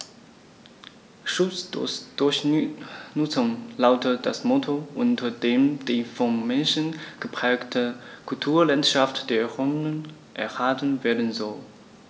„Schutz durch Nutzung“ lautet das Motto, unter dem die vom Menschen geprägte Kulturlandschaft der Rhön erhalten werden soll.